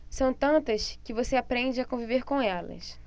são tantas que você aprende a conviver com elas